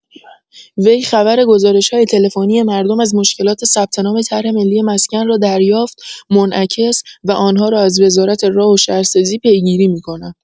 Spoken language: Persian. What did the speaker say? وی خبر گزارش‌های تلفنی مردم از مشکلات ثبت‌نام طرح ملی مسکن را دریافت، منعکس، و آنها را از وزارت راه و شهرسازی پیگیری می‌کند.